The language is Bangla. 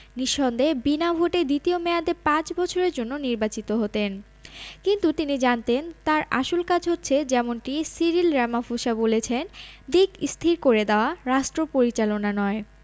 নিঃসন্দেহে বিনা ভোটে দ্বিতীয় মেয়াদে পাঁচ বছরের জন্য নির্বাচিত হতেন কিন্তু তিনি জানতেন তাঁর আসল কাজ হচ্ছে যেমনটি সিরিল রামাফোসা বলেছেন দিক স্থির করে দেওয়া রাষ্ট্রপরিচালনা নয়